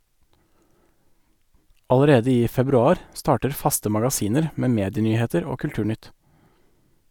Allerede i februar starter faste magasiner med medienyheter og kulturnytt.